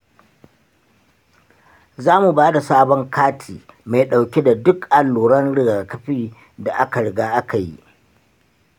za mu ba da sabon kati mai ɗauke da duk alluran rigakafi da aka riga aka yi.